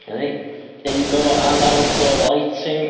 'Na ni. Indoor and outdoor lighting.